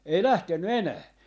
ei lähtenyt enää